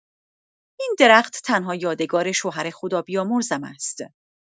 این درخت تنها یادگار شوهر خدابیامرزم است.